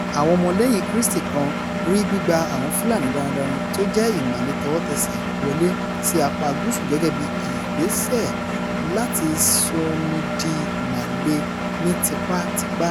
Àwọn Ọmọ-lẹ́yìn-in-krístì kan “rí gbígba àwọn Fulani darandaran tí ó jẹ́ Ìmàle tọwọ́tẹsẹ̀ wọlé sí apáa gúúsù gẹ́gẹ́ bíi ìgbésẹ̀ láti 'Sọnidìmàlè' ní tipátipá.